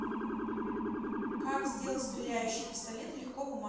как сделать стреляющие пистолеты легко бумажные